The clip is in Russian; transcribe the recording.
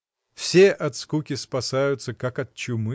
Все от скуки спасаются, как от чумы.